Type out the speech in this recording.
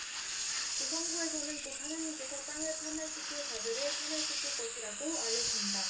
그 성구에서는 곧 하느님께서 땅을 파멸시키는 자들을 파멸시키실 것이라고 알려 줍니다